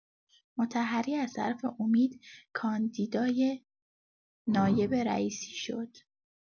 مطهری از طرف امید کاندیدای نایب رئیسی شد.